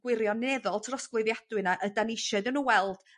gwirioneddol trosglwyddiadwy 'na ydan isio iddon nw weld